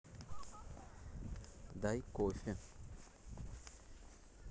дай кофе